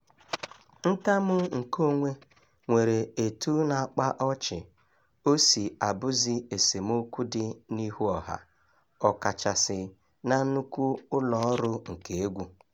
Ntamu nke onwe nwere etu na-akpa ọchị o si abụzị esemokwu dị n'ihu ọha — ọ kachasị na nnukwu ụlọọrụ nke égwú.